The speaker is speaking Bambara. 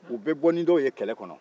u bɛ bɔ ni dɔw ye kɛlɛ kɔnɔ